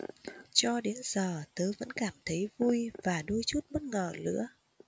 cho đến giờ tớ vẫn cảm thấy vui và đôi chút bất ngờ nữa